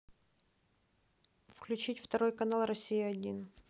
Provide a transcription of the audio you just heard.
включить второй канал россия один